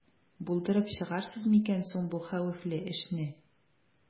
Булдырып чыгарсыз микән соң бу хәвефле эшне?